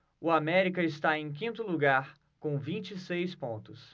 o américa está em quinto lugar com vinte e seis pontos